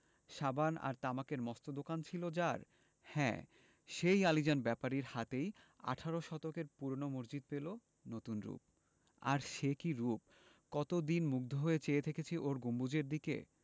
সাবান আর তামাকের মস্ত দোকান ছিল যার হ্যাঁ সেই আলীজান ব্যাপারীর হাতেই আঠারো শতকের পুরোনো মসজিদ পেলো নতুন রুপ আর সে কি রুপ কতদিন মুগ্ধ হয়ে চেয়ে থেকেছি ওর গম্বুজের দিকে